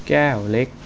แก้วเล็ก